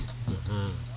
axa